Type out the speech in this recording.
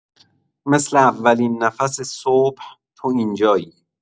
مثل اولین نفس صبح، تو اینجایی.